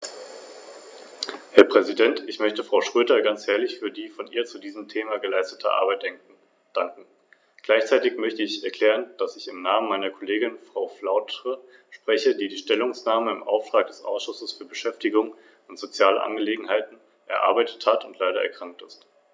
Diese Richtlinie ist ein Beitrag dazu.